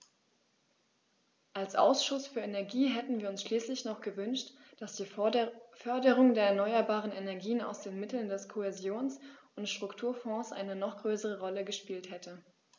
Als Ausschuss für Energie hätten wir uns schließlich noch gewünscht, dass die Förderung der erneuerbaren Energien aus den Mitteln des Kohäsions- und Strukturfonds eine noch größere Rolle gespielt hätte.